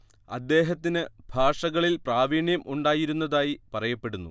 അദ്ദേഹത്തിന് ഭാഷകളിൽ പ്രാവീണ്യം ഉണ്ടായിരുന്നതായി പറയപ്പെടുന്നു